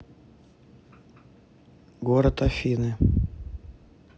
город афины